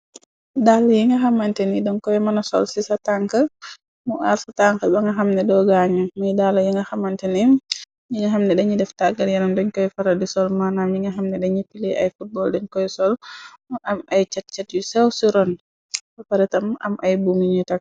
Daala yi nga xamante ni dan koy mëna sol ci sa tank mu aar sa tank ba nga xamne. Do gaañ miy daal yi nga xamante ni ñi nga xam ne dañi def taggar yaram dañ koy fara di sol. Maanam yi nga xamne dañi pilee ay footbol dañ koy sol m am. Ay cat-cat yu sew suron ba paratam am ay buu mi ñuy tak.